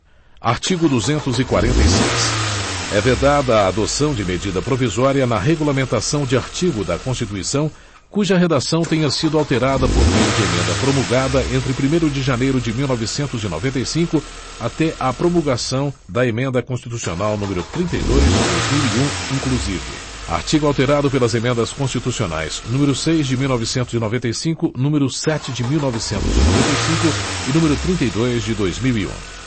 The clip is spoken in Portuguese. artigo duzentos e quarenta e seis é vedada a adoção de medida provisória na regulamentação de artigo da constituição cuja redação tenha sido alterada por meio de emenda promulgada entre primeiro de janeiro de mil novecentos e noventa e cinco até a promulgação da emenda constitucional número trinta e dois de dois mil e um inclusive artigo alterado pelas emendas constitucionais número seis de mil novecentos e noventa e cinco número sete de mil novecentos e noventa e cinco e número trinta e dois de dois mil e um